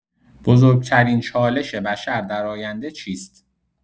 بزرگ‌ترین چالش بشر در آینده چیست؟